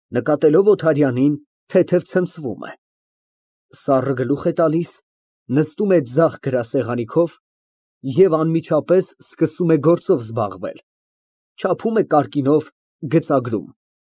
Նկատելով Օթարյանին, թեթև ցնցվում է, սառը գլուխ է տալիս, նստում է ձախ գրասեղանի քով և անմիջապես սկսում է գործով զբաղվել ֊ չափում է կարկինով, գծագրում։